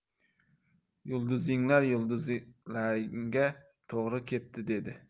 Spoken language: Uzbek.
yulduzinglar yulduzlaringga to'g'ri kepti dedi